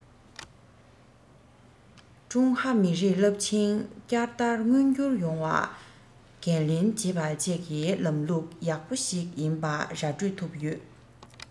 ཀྲུང ཧྭ མི རིགས རླབས ཆེན བསྐྱར དར མངོན འགྱུར ཡོང བ འགན ལེན བྱེད པ བཅས ཀྱི ལམ ལུགས ཡག པོ ཞིག ཡིན པ ར སྤྲོད ཐུབ ཡོད